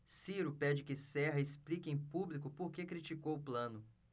ciro pede que serra explique em público por que criticou plano